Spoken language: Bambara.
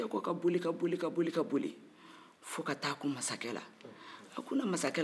fo ka taa kun mansakɛ la a kunna mansakɛ la tugunni